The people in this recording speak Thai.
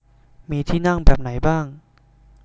มีที่นั่งแบบไหนบ้าง